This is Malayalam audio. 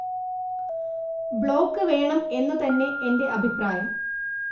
ബ്ലോക്ക് വേണം എന്നു തന്നെ എന്റെ അഭിപ്രായം